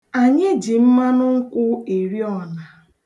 Anyị ji mmanụ nkwụ eri ọna.